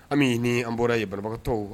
An bɛ ni an bɔra ye barabagatɔ